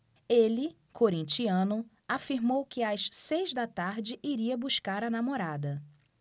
ele corintiano afirmou que às seis da tarde iria buscar a namorada